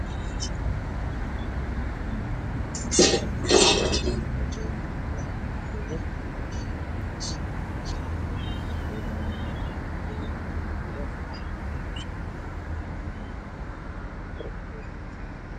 Waa sedax wiil waxa ay wataan funaanad iyo Buumo Jaalle